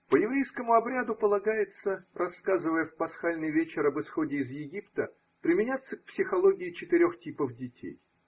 По еврейскому обряду полагается, рассказывая в пасхальный вечер об исходе из Египта, применяться к психологии четырех типов детей.